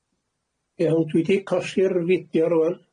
Iawn, dwi di coll'r fideo rŵan.